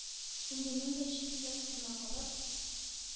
Инде мин дә, җиде ят кулына калып